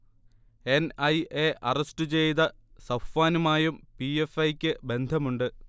N. I. A arrest ചെയ്ത സഫ്വാനുമായും P. F. I. ക്ക് ബന്ധമുണ്ട്